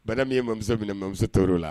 Bana min yemuso minɛ mamuso tɔɔrɔr o la